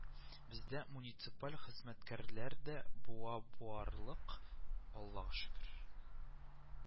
Бездә муниципаль хезмәткәрләр дә буа буарлык, Аллага шөкер